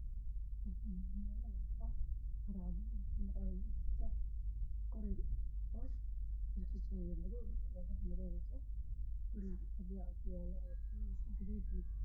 Meeshaan oo meel walba waxaa maraya nin askari ah iyo dad kale